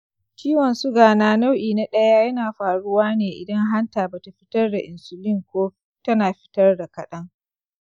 ciwon suga na nau’i na ɗaya yana faruwa ne idan hanta ba ta fitar da insulin ko tana fitar da kaɗan.